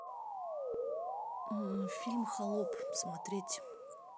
фильм холоп смотреть